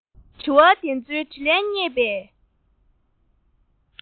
དྲི བ དེ ཚོའི དྲིས ལན རྙེད པའི